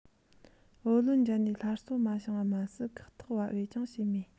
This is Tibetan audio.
བུ ལོན འཇལ ནུས སླར གསོ མ བྱུང བ མ ཟད ཁག ཐེག བབ འོས ཀྱང བྱས མེད པ